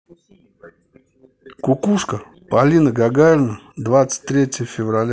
кукушка полина гагарина двадцать третье февраля